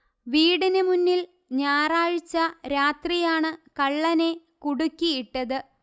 വീടിൻമുന്നിൽ ഞാറാഴ്ച രാത്രിയാണ് കള്ളനെ കുടുക്കി ഇട്ടത്